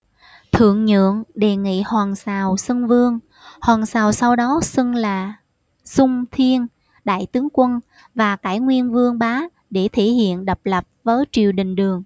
thượng nhượng đề nghị hoàng sào xưng vương hoàng sào sau đó xưng là xung thiên đại tướng quân và cải nguyên vương bá để thể hiện độc lập với triều đình đường